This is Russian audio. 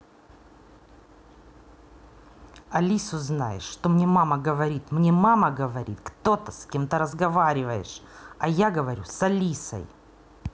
алису знаешь что мне мама говорит мне мама говорит кто то с кем разговариваешь а я говорю с алисой